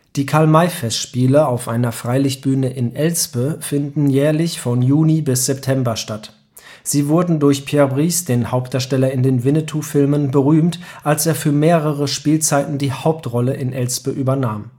Die Karl-May-Festspiele auf einer Freilichtbühne in Elspe finden jährlich von Juni bis September statt. Sie wurden durch Pierre Brice, den Hauptdarsteller in den Winnetou-Filmen, berühmt, als er für mehrere Spielzeiten die Hauptrolle in Elspe übernahm